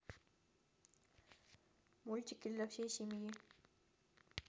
мультики для всей семьи